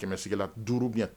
100 sigi la 5 bi ya